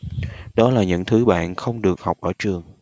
đó là những thứ bạn không được học ở trường